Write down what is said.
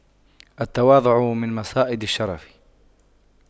التواضع من مصائد الشرف